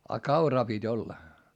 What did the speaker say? ja kauraa piti olla